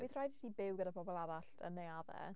Bydd rhaid i ti byw gyda pobl arall, 'da neuaddau.